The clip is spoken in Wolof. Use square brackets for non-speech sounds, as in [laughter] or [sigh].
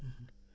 [hesitation] [hesitation]